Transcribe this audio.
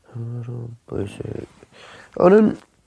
bwysig. O' nw'n